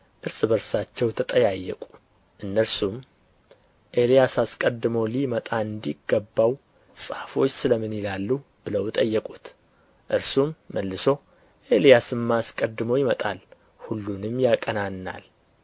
እርስ በርሳቸው ተጠያየቁ እነርሱም ኤልያስ አስቀድሞ ሊመጣ እንዲገባው ጻፎች ስለ ምን ይላሉ ብለው ጠየቁት እርሱም መልሶ ኤልያስማ አስቀድሞ ይመጣል ሁሉንም ያቀናናል